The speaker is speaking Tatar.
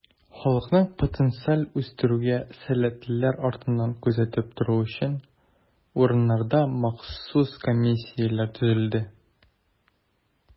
Халыкны потенциаль үстерүгә сәләтлеләр артыннан күзәтеп тору өчен, урыннарда махсус комиссияләр төзелде.